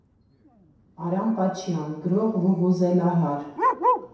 Արամ Պաչյան, գրող֊վուվուզելահար։